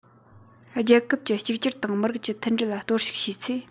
རྒྱལ ཁབ ཀྱི གཅིག གྱུར དང མི རིགས ཀྱི མཐུན སྒྲིལ ལ གཏོར བཤིག བྱས ཚེ